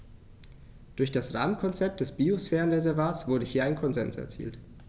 Durch das Rahmenkonzept des Biosphärenreservates wurde hier ein Konsens erzielt.